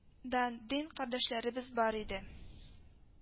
Дан дин кардәшләребез бар иде